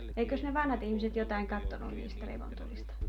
eikös ne vanhat ihmiset jotakin katsonut niistä revontulista